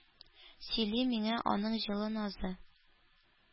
Сөйли миңа аның җылы назы